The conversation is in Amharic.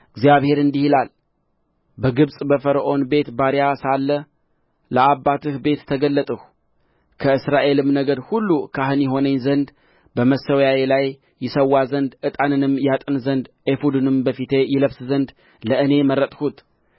እግዚአብሔር እንዲህ ይላል በግብጽ በፈርዖን ቤት ባሪያ ሳለ ለአባትህ ቤት ተገለጥሁ ከእስራኤልም ነገድ ሁሉ ካህን ይሆነኝ ዘንድ በመሠዊያዬ ላይ ይሠዋ ዘንድ ዕጣንንም ያጥን ዘንድ ኤፉድንም በፊቴ ይለብስ ዘንድ ለእኔ መረጥሁት